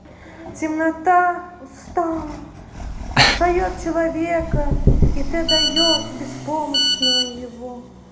темнота устало шает человека и the дает беспомощного его